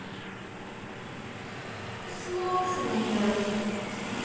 слов нет